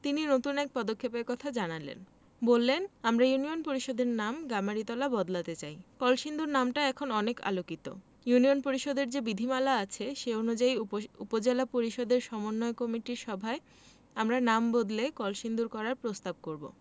তিনি নতুন এক পদক্ষেপের কথা জানালেন বললেন আমরা ইউনিয়ন পরিষদের নাম গামারিতলা বদলাতে চাই কলসিন্দুর নামটা এখন অনেক আলোকিত। ইউনিয়ন পরিষদের যে বিধিমালা আছে সে অনুযায়ী উপজেলা পরিষদের সমন্বয় কমিটির সভায় আমরা নাম বদলে কলসিন্দুর করার প্রস্তাব করব